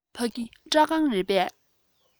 ཕ གི སྐྲ ཁང རེད པས